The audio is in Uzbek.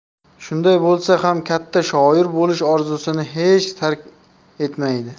shunday bo'lsa ham katta shoir bo'lish orzusini hech tark etmaydi